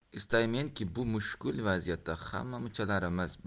istaymenki bu mushkul vaziyatda hamma muchalarimiz